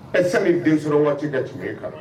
Ɛ sani den sɔrɔ waati ka tun kala